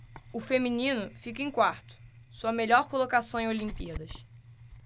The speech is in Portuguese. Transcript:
o feminino fica em quarto sua melhor colocação em olimpíadas